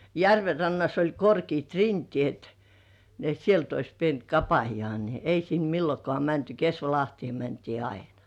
järven rannassa oli korkeat rinteet niin että sieltä olisi pitänyt kapista niin ei sinne milloinkaan mänty Kesvalahteen mentiin aina